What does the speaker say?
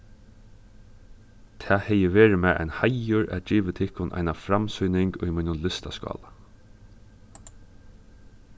tað hevði verið mær ein heiður at givið tykkum eina framsýning í mínum listaskála